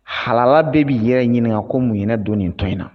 Hala bɛɛ b'i yɛrɛ ɲininkako muninɛ don nin tɔ in na